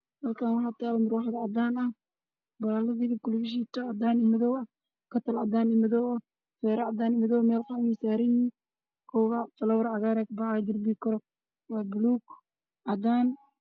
Meeshan waxa yaalo kala faro badan oo ay ka mid yihiin feero tallaajo muraaxaad